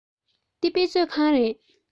འདི དཔེ མཛོད ཁང རེད